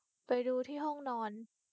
ไปดูที่ห้องนอน